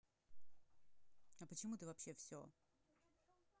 а почему ты вообще все